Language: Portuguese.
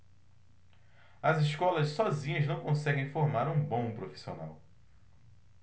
as escolas sozinhas não conseguem formar um bom profissional